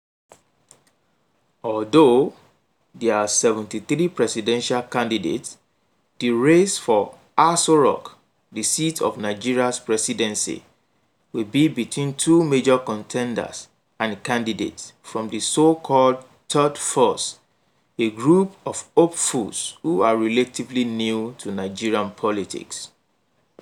Although there are 73 presidential candidates, the race for Aso Rock — the seat of Nigeria's presidency — will be between two major contenders and candidates from the so-called "third force", a group of hopefuls who are relatively new to Nigerian politics.